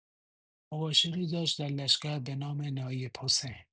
مباشری داشت در لشگر بنام نایب حسین.